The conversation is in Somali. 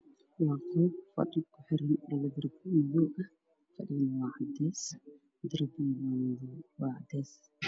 Waa qol waxaa yaalo fadhi midabkiisu yahay cadde derbiga waxaa ku dhagan laptop ama tv midabkiisu yahay madow